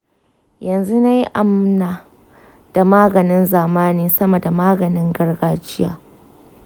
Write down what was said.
yanzu nayi amanna da maganin zamani sama da maganin gargajiya.